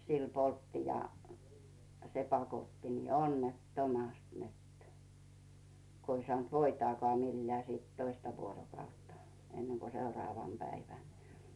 sillä poltti ja se pakotti niin onnettomasti että kun ei saanut voitaakaan millään sitten toista vuorokautta ennen kuin seuraavana päivänä